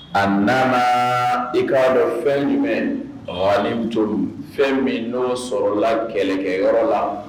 A nana i k'a dɔn fɛn jumɛn h nito fɛn min n'o sɔrɔla la kɛlɛkɛyɔrɔ la